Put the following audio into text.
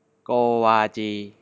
โกวาจี